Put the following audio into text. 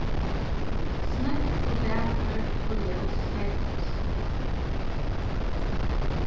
snøgg og dagførd og ljós sethús